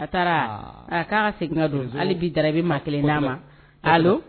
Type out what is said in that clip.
A taara a' segin ka don hali bii darabi ma kelen'a ma'